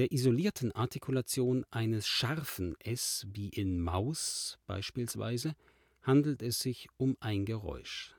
isolierten Artikulation eines " scharfen " s wie in Maus beispielsweise, handelt es sich um ein Geräusch